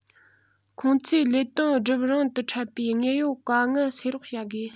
ཁོང ཚོས ལས དོན སྒྲུབ རིང དུ འཕྲད པའི དངོས ཡོད དཀའ ངལ སེལ རོགས བྱ དགོས